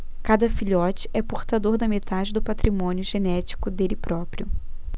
cada filhote é portador da metade do patrimônio genético dele próprio